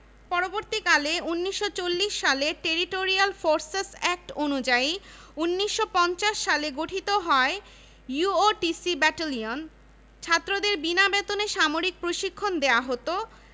পরবর্তীকালে ১৯৪০ সালের territorial forces act অনুযায়ী ১৯৫০ সালে গঠিত হয় ইউওটিসি ব্যাটালিয়ন ছাত্রদের বিনা বেতনে সামরিক প্রশিক্ষণ দেওয়া হতো